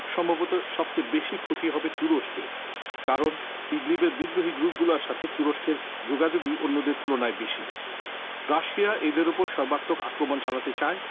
সম্ভবত সবচেয়ে বেশি ক্ষতি হবে তুরস্কের কারণ ইদলি পের বিদ্রোহী গ্রুপগুলোর সাথে তুরস্কের যোগাযোগই অন্যদের তুলনায় বেশি রাশিয়া এদের ওপর সর্বাত্মক আক্রমণ চালাতে চায় ক